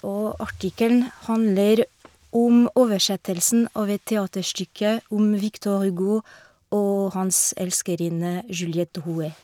Og artikkelen handler om oversettelsen av et teaterstykke om Victor Hugo og hans elskerinne Juliette Drouet.